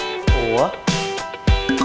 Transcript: ủa sao